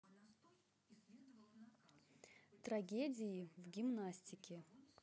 трагедии в гимнастике